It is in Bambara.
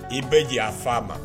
I bɛɛ jɛ aa fa ma